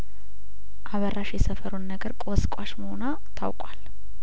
አበራሽ የሰፈሩ ነገር ቆስቋሽ መሆኗ ታወቋል